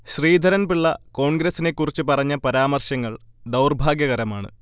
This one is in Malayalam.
ശ്രീധരൻപിള്ള കോൺഗ്രസിനെ കുറിച്ച് പറഞ്ഞ പരാമർശങ്ങൾ ദൗർഭാഗ്യകരമാണ്